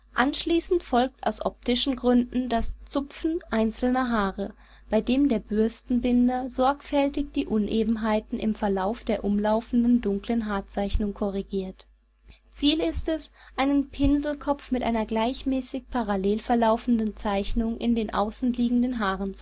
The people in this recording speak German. Anschließend folgt aus optischen Gründen das „ Zupfen “einzelner Haare, bei dem der Bürstenbinder sorgfältig die Unebenheiten im Verlauf der umlaufenden dunklen Haarzeichnung korrigiert. Ziel ist es, einen Pinselkopf mit einer gleichmäßig parallel verlaufender Zeichnung in den außen liegenden Haaren